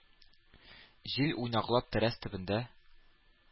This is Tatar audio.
Җил, уйнаклап, тәрәз төбендә